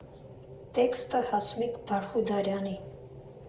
Տեքստը՝ Հասմիկ Բարխուդարյանի։